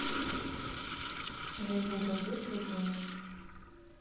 жизнь других людей